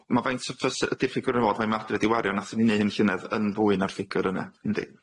Ma' faint fase- diffyg hwn'ne i fod, faint ma' Adre wedi wario, nathyn ni neud hyn llynadd, yn fwy na'r ffigwr yne. Yndi.